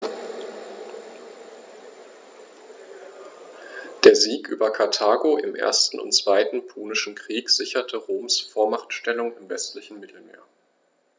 Der Sieg über Karthago im 1. und 2. Punischen Krieg sicherte Roms Vormachtstellung im westlichen Mittelmeer.